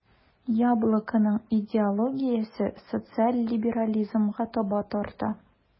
"яблоко"ның идеологиясе социаль либерализмга таба тарта.